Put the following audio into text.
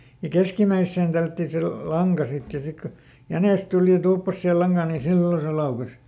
ja keskimmäiseen tällättiin se - lanka sitten ja ja sitten kun jänis tuli ja tuuppasi siihen lankaan niin silloin se laukesi